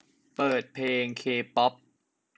เปิดเพลงเคป๊อป